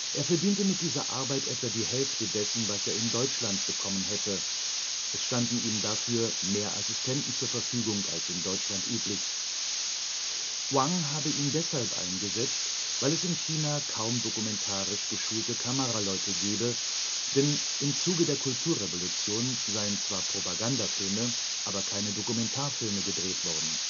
Er verdiente mit dieser Arbeit etwa die Hälfte dessen, was er in Deutschland bekommen hätte, es standen ihm dafür mehr Assistenten zur Verfügung als in Deutschland üblich. Wang habe ihn deshalb eingesetzt, weil es in China kaum dokumentarisch geschulte Kameraleute gebe, denn im Zuge der Kulturrevolution seien zwar Propagandafilme, aber keine Dokumentarfilme gedreht worden